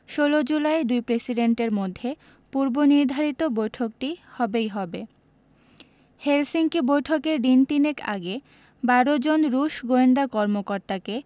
১৬ July দুই প্রেসিডেন্টের মধ্যে পূর্বনির্ধারিত বৈঠকটি হবেই হবে হেলসিঙ্কি বৈঠকের দিন তিনেক আগে ১২ জন রুশ গোয়েন্দা কর্মকর্তাকে